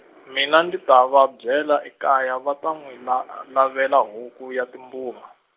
mina ndzi ta va byela ekaya va ta n'wi na- navela huku ya timbuva.